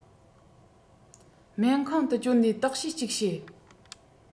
སྨན ཁང དུ བསྐྱོད ནས བརྟག དཔྱད ཅིག བྱེད